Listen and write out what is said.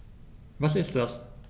Was ist das?